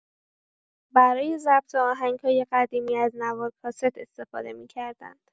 برای ضبط آهنگ‌های قدیمی از نوار کاست استفاده می‌کردند.